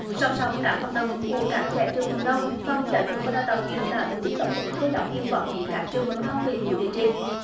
song song các hoạt động của các trẻ trường mầm non phòng giáo dục và đào tạo huyện đã tổ chức tập huấn cho giáo viên quản lý các trường mầm non về chủ đề trên